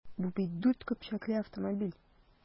Бу бит дүрт көпчәкле автомобиль!